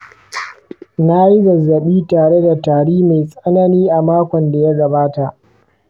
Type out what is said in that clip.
na yi zazzaɓi tare da tari mai tsanani a makon da ya gabata.